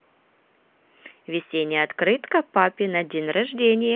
весенняя открытка папе на день рождения